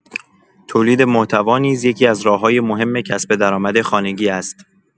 تولید محتوا نیز یکی‌از راه‌های مهم کسب درآمد خانگی است.